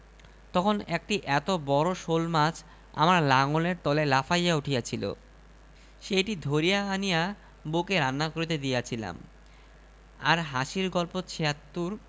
এই বলিয়া রহিম ক্ষেতের কাজে চলিয়া গেল দুপুর হইতে না হইতেই বাড়ি ফিরিয়া আসিয়া সে বউ এর কাছে খাইতে চাহিল বউ একথালা ভাত আর কয়েকটা মরিচ পোড়া আনিয়া